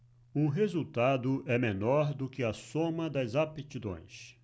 o resultado é menor do que a soma das aptidões